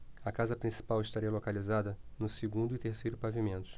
a casa principal estaria localizada no segundo e terceiro pavimentos